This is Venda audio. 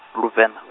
du Luvenḓa.